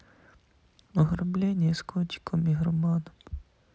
ограбление с котиком игроманом